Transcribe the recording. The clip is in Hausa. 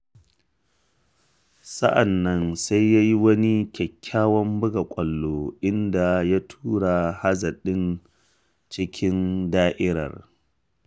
Sa’an nan sai ya yi wani kyakkyawan buga ƙwallon, inda ya tura Hazard cikin da'ira.